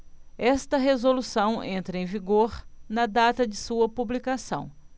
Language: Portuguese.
esta resolução entra em vigor na data de sua publicação